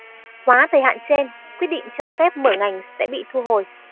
quá thời hạn trên quyết định cho phép mở ngành sẽ bị thu hồi